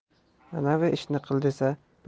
manavi ishni qil desa